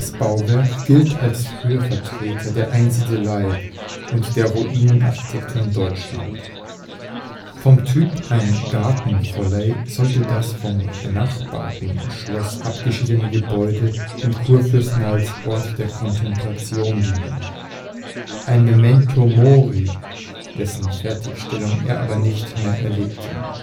Bauwerk gilt als früher Vertreter der Einsiedelei und der Ruinenarchitektur in Deutschland; vom Typ ein Gartenfolly sollte das vom benachbarten Schloss abgeschiedene Gebäude dem Kurfürsten als Ort der Kontemplation dienen – ein memento mori, dessen Fertigstellung er nicht mehr erlebte